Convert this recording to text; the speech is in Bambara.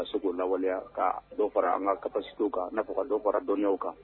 Kaso lawaleya ka dɔ fara an ka kasi t kan n'a fɔ ka dɔ fara dɔnw kan